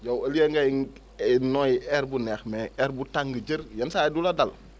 yow au lieu ngay noyyi air bu neex mais air bu tàng jër yenn saa yi du la dala